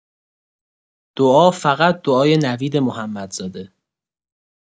دعا فقط دعای نوید محمدزاده